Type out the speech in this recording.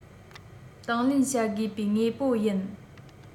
དང ལེན བྱ དགོས པའི དངོས པོ ཡིན